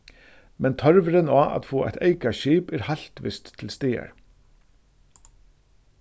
men tørvurin á at fáa eitt eyka skip er heilt vist til staðar